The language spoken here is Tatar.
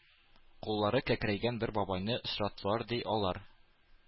Куллары кәкрәйгән бер бабайны очраттылар, ди, алар.